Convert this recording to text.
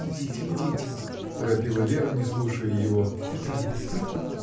— Идите, идите, — торопила Вера, не слушая его. — Это любопытно.